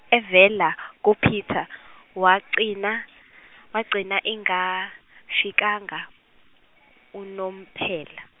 evela kuPeter wagcina wagcina ingafikanga unomphela.